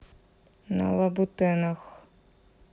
на лабутенах